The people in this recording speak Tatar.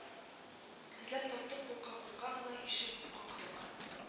Эзләп таптык курка-курка гына ишек кактык